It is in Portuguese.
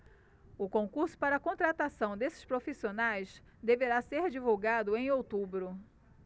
o concurso para contratação desses profissionais deverá ser divulgado em outubro